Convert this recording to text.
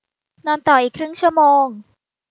นอนต่ออีกครึ่งชั่วโมง